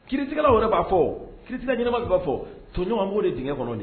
Kiritigɛla wɛrɛ b'a fɔ kiritigɛ ɲɛna bɛ b'a fɔ toɲɔgɔn' de denkɛ kɔnɔ